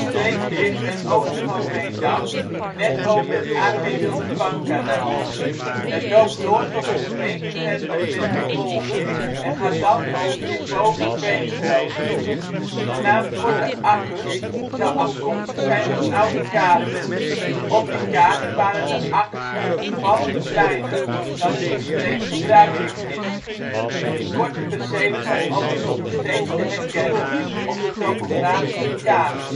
streekje ligt ten oosten van Veendam net over het A.G. Wildervanckkanaal. Het loopt door tot de gemeentegrens met Menterwolde en gaat dan over in Boven Veensloot. De naam Korte Akkers zou afkomstig zijn van oude kaarten. Op die kaarten waren de akkers hier opvallend kleiner dan in de streek gebruikelijk is. Die korte percelen zijn overigens nog steeds te herkennen op de topografische kaart